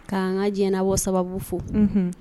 'an ka diɲɛbɔ sababu fo